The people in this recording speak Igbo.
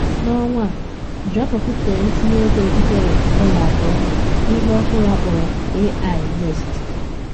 N’ọnwa a DARPA kwuputere ntinye ego ijeri $2 n’ihe ọhụrụ akpọrọ AI Next.